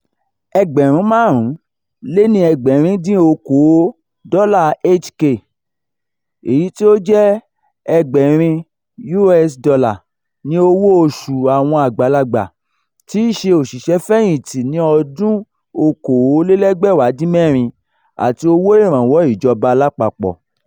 HK$5,780 (US$720) ni owó oṣù àwọn àgbàlagbà tí í ṣe òṣìṣẹ́-fẹ̀yìntì ní ọdún-un 2016 — àti owó ìrànwọ́ ìjọba lápapọ̀.